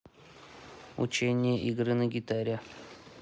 учение игры на гитаре